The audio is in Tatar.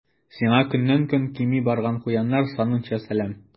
Сиңа көннән-көн кими барган куяннар санынча сәлам.